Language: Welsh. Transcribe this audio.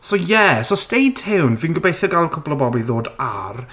So yeah, so stay tuned. Fi'n gobeithio gael cwpl o bobl i ddod ar.